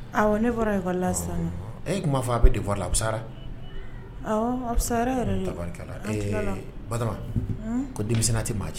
Ne fɔrakɔla sa e kuma fɔ a bɛ den fɔ la a bɛ a bɛ yɛrɛ ba ko denmisɛnnin tɛ' cɛ